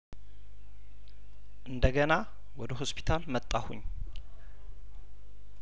እንደ ገና ወደ ሆስፒታል መጣሁኝ